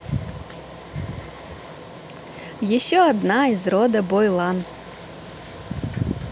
еще одна из рода boylan